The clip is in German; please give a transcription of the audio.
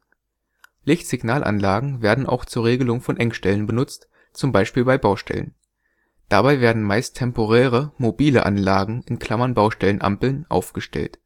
Lichtsignalanlagen werden auch zur Regelung von Engstellen benutzt z.B bei Baustellen. Dabei werden meist temporäre, mobile Anlagen (Baustellenampeln) aufgestellt